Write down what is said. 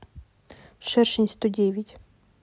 шершень сто девять